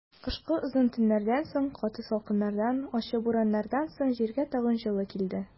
Кышкы озын төннәрдән соң, каты салкыннардан, ачы бураннардан соң җиргә тагын җылы килде.